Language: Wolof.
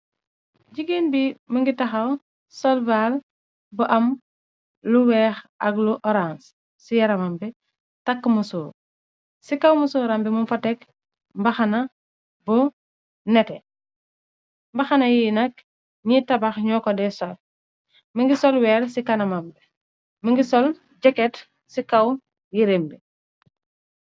Jigéen bi më ngi taxaw sol bag bu am lu weex ak lu orange ci yaramambe takk musor ci kaw musurambi mu fatek mbaxana bu nete mbaxana yi nakk ñiy tabax ñoo ko de sol mi ngi solweer ci kanamambe mi ngi sol jeket ci kaw yi rembi